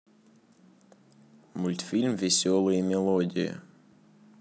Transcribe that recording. мультфильм веселые мелодии